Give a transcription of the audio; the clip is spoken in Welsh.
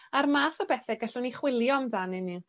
a'r math o bethe gallwn ni chwilio amdanyn 'yn